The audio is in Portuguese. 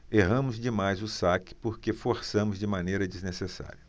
erramos demais o saque porque forçamos de maneira desnecessária